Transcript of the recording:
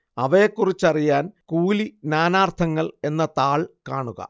അവയെക്കുറിച്ചറിയാൻ കൂലി നാനാർത്ഥങ്ങൾ എന്ന താൾ കാണുക